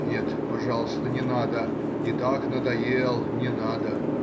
— Нет, пожалуйста, не надо: и так надоел,— не надо!